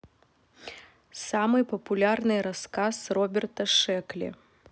самый популярный рассказ роберта шекли